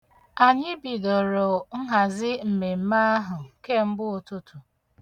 Anyị bidoro nhazi mmemme ahụ kemgbe ụtụtụ.